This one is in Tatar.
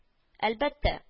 Әлбәттә